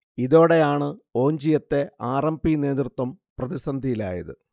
ഇതോടെയാണ് ഒഞ്ചിയത്തെ R. M. P. നേതൃത്വം പ്രതിസന്ധിയിലായത്